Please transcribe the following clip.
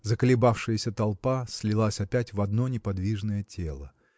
Заколебавшаяся толпа слилась опять в одно неподвижное тело.